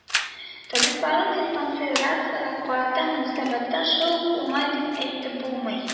Табибларның диспансеризациягә карата мөнәсәбәтен шулай ук уңай дип әйтеп булмый